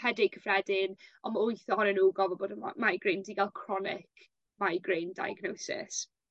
headache cyffredin on' ma' wyth ohonyn n'w gofo bod yn mo- migraines i ga'l chronic migraine diagnosis.